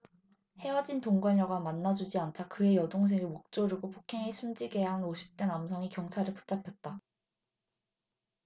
헤어진 동거녀가 만나주지 않자 그의 여동생을 목 조르고 폭행해 숨지게 한 오십 대 남성이 경찰에 붙잡혔다